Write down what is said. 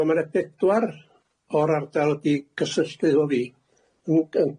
Wel ma' na bedwar o'r ardal 'di gysylltu efo fi yn,